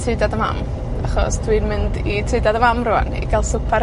tŷ dad a mam, achos dwi'n mynd i tŷ dad a fam rŵan, i ga'l swpar